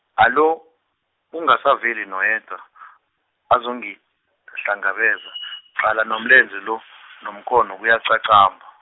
alo, kungasaveli noyedwa , azongihlangabeza, qala nomlenze lo, nomkhono kuyaqaqamba.